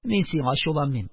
Мин сиңа ачуланмыйм,